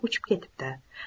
uchib ketibdi